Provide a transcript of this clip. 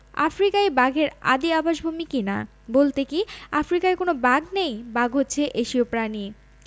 আফ্রিকাই বাঘের আদি আবাসভূমি কি না বলতে কী আফ্রিকায় কোনো বাঘ নেই বাঘ হচ্ছে এশীয় প্রাণী